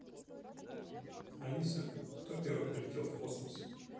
алиса кто первый полетел в космос